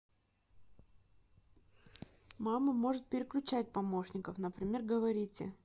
мама может переключать помощников например говорите